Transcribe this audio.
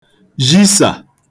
zhisà